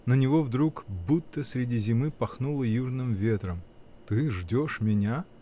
На него вдруг будто среди зимы пахнуло южным ветром. — Ты ждешь меня!